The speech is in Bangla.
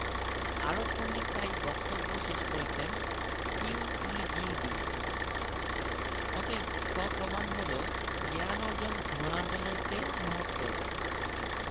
তাই যদি কেউ আপনাকে ডাহা বেইজ্জত্ করতে চায় তবে সে অপমান করবে আপনার দেশকে নিজের অপমান আপনি হয়ত মনে মনে পঞ্চাশ গুণে নিয়ে সয়ে যাবেন